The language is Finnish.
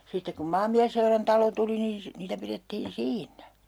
sitten kun maanmiesseurantalo tuli niin - niitä pidettiin siinä